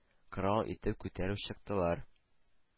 Корал итеп күтәреп чыктылар,